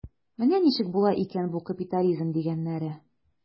Менә ничек була икән бу капитализм дигәннәре.